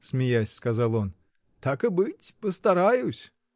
— смеясь, сказал он, — так и быть, постараюсь.